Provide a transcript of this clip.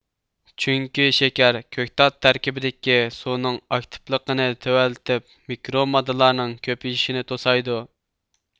چۈنكى شېكەر كۆكتات تەركىبىدىكى سۇنىڭ ئاكتىپلىقىنى تۆۋەنلىتىپ مىكرو ماددىلارنىڭ كۆپىيىشىنى توسايدۇ